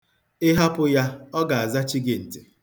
Ị hapụ ya, ọ ga-azachi gị ntị.